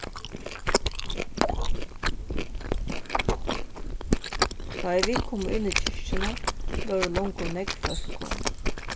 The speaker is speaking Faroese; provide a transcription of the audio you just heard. tá ið vit komu inn í kirkjuna vóru longu nógv fólk komin